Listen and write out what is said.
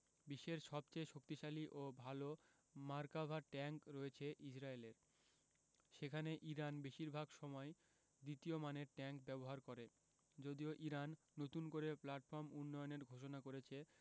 বিশ্বের সবচেয়ে শক্তিশালী ও ভালো মার্কাভা ট্যাংক রয়েছে ইসরায়েলের সেখানে ইরান বেশির ভাগ সময় দ্বিতীয় মানের ট্যাংক ব্যবহার করে যদিও ইরান নতুন করে প্ল্যাটফর্ম উন্নয়নের ঘোষণা করেছে